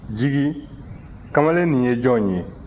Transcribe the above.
jigi kamalen nin ye jɔn ye